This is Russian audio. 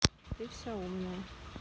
ты вся умная